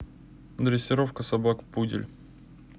дрессировка собак пудель